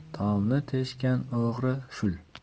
tomni teshgan o'g'ri shul